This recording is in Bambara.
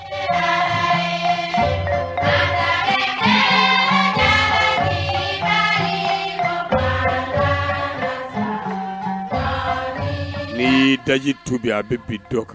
n'i y'i daji tu bi a bɛ bin dɔ kan